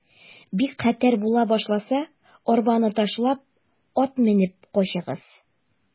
Бик хәтәр була башласа, арбаны ташлап, ат менеп качыгыз.